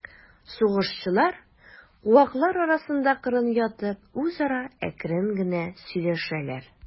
Сугышчылар, куаклар арасында кырын ятып, үзара әкрен генә сөйләшәләр.